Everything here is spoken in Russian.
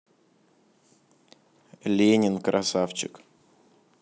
ленин красавчик